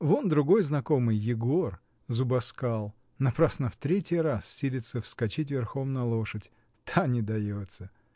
Вон другой знакомый, Егор, зубоскал, напрасно в третий раз силится вскочить верхом на лошадь, та не дается